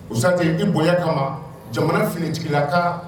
Osasi i bonya kama jamana finitigila kaa